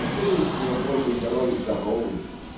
интереснее был бы герой здоровый